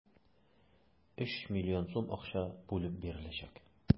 3 млн сум акча бүлеп биреләчәк.